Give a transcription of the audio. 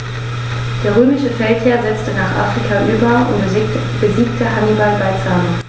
Der römische Feldherr setzte nach Afrika über und besiegte Hannibal bei Zama.